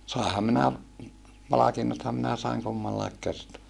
sainhan minä palkinnothan minä sain kummallakin kertaa